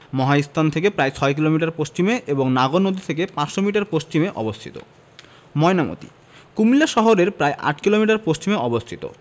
মহাস্থান থেকে প্রায় ৬ কিলোমিটার পশ্চিমে এবং নাগর নদী থেকে ৫০০ মিটার পশ্চিমে অবস্থিত ময়নামতি কুমিল্লা শহরের প্রায় ৮ কিলোমিটার পশ্চিমে অবস্থিত